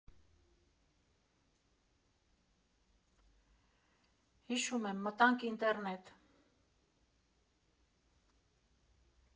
Հիշում եմ, մտանք ինտերնետ։